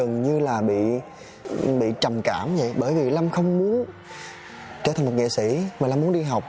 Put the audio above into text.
gần như là bị bị trầm cảm nhẹ bởi vì lâm không muốn trở thành một nghệ sĩ mà lâm muốn đi học